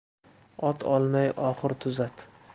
ot olmay oxur tuzat